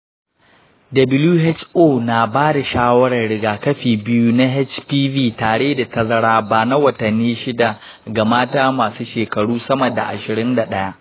who na bada shawarar rigakafi biyu na hpv tare da taraza ba na watanni shida ga mata masu shekaru sama da ashirin da ɗaya.